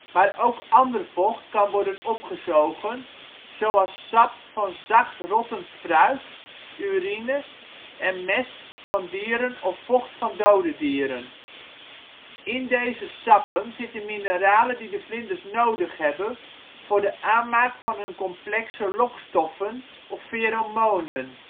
maar ook ander vocht kan worden opgezogen zoals sap van zacht rottend fruit, urine en mest van dieren of vocht van dode dieren. In deze sappen zitten mineralen die de vlinders nodig hebben voor de aanmaak van hun complexe lokstoffen of feromonen